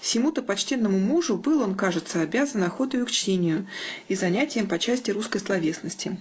Сему-то почтенному мужу был он, кажется, обязан охотою к чтению и занятиям по части русской словесности.